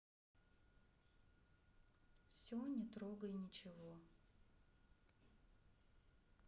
все не трогай ничего